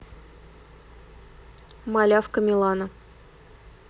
малявка милана